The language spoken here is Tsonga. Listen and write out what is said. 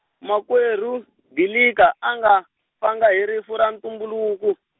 makwerhu, Dilika a nga, fanga hi rifu ra ntumbuluko.